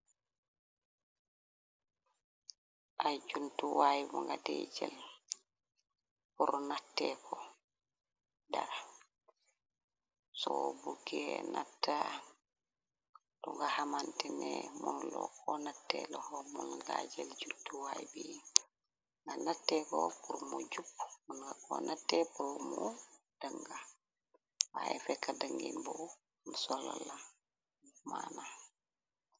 Ay jumtuwaay bu nga de jël pur natee ko dara, soo buge nata lu nga xamantene munlo koiy nate laxoo, mun nga jël jumtuwaay bi nga natee ko pur mo jupp. mën nga konatee pur mu dënga, waaye fekka dëngeen bo solo la maan.